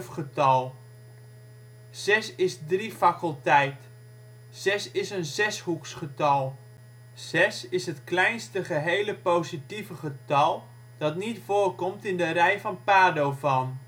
getal. Zes is drie faculteit. Zes is een zeshoeksgetal. Zes is het kleinste gehele positieve getal dat niet voorkomt in de rij van Padovan